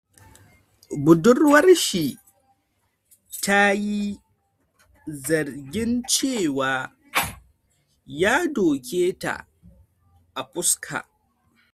Budurwar shi ta yi zargin cewa ya doke ta a fuska.